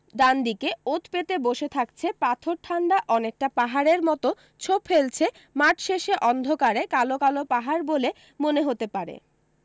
ডানদিকে ওত পেতে বসে থাকছে পাথর ঠান্ডা অনেকটা পাহাড়ের মতো ছোপ ফেলছে মাঠশেষে অন্ধকারে কালো কালো পাহাড় বলে মনে হতে পারে